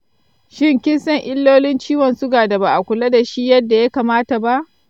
shin kin san illolin ciwon suga da ba a kula da shi yadda ya kamata ba?